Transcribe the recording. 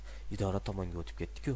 idora tomonga o'tib ketdi ku